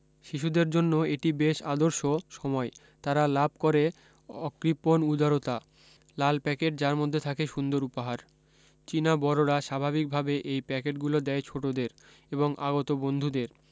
শিশুদের জন্য এটি বেশ আদর্শ সময় তারা লাভ করে অকৃপণ উদারতা লাল প্যাকেট যার মধ্যে থাকে সুন্দর উপহার চীনা বড়রা স্বাভাবিকভাবে এই প্যাকেটগুলো দেয় ছোটদের এবং আগত বন্ধুদের